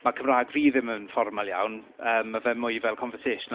Ma' Cymraeg fi ddim yn formal iawn, yy ma' fe'n mwy fel conversational.